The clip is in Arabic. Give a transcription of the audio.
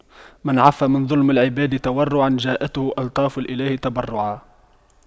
من عَفَّ عن ظلم العباد تورعا جاءته ألطاف الإله تبرعا